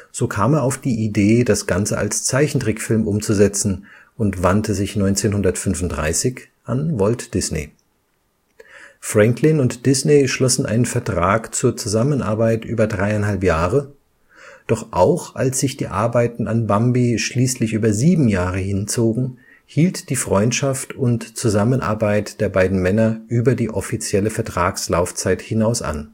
So kam er auf die Idee, das Ganze als Zeichentrickfilm umzusetzen und wandte sich 1935 an Walt Disney. Franklin und Disney schlossen einen Vertrag zur Zusammenarbeit über dreieinhalb Jahre, doch auch als sich die Arbeiten an Bambi schließlich über sieben Jahre hinzogen, hielt die Freundschaft und Zusammenarbeit der beiden Männer über die offizielle Vertragslaufzeit hinaus an